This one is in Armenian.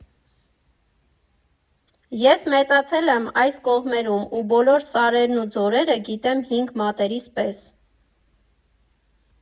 Ես մեծացել եմ այս կողմերում ու բոլոր սարերն ու ձորերը գիտեմ հինգ մատներիս պես։